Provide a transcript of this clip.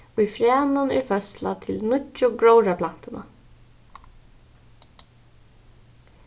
í frænum er føðsla til nýggju gróðrarplantuna